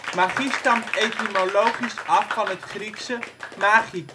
Magie stamt etymologisch af van het Griekse magikē